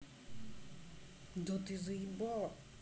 да ты заебала